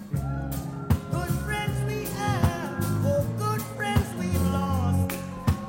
Kourtigi ɛ ko kour sugui la